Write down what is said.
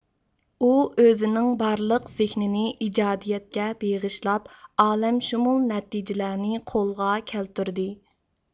ئۇ ئۆزىنىڭ بارلىق زىھنىنى ئىجادىيەتكە بېغىشلاپ ئالەمشۇمۇل نەتىجىلەرنى قولغا كەلتۈردى